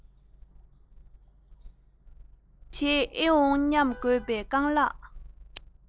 འགུལ འགུལ བྱེད ཨེ འོང སྙམ དགོས པའི རྐང ལག